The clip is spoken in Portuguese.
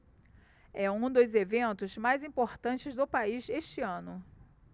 é um dos eventos mais importantes do país este ano